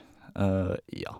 Ja.